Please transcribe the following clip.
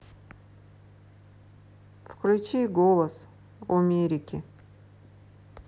включи голос омерики